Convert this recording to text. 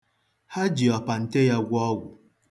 Ha ji ọpante ya gwọ ọgwụ.